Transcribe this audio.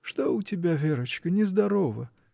Что у тебя, Верочка: нездорова?